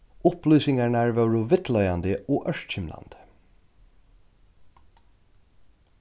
upplýsingarnar vóru villleiðandi og ørkymlandi